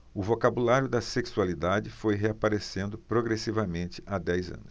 o vocabulário da sexualidade foi reaparecendo progressivamente há dez anos